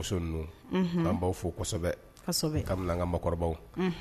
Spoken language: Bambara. Muso ninnu, unhun, an b'aw fo kosɛbɛ, kosɛbɛ ka daminɛ an ka mɔkɔrɔbaw, unhun